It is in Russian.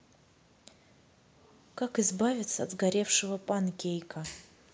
как избавиться от сгоревшего панкейка